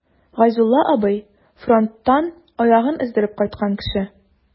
Гайзулла абый— фронттан аягын өздереп кайткан кеше.